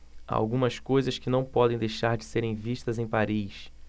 há algumas coisas que não podem deixar de serem vistas em paris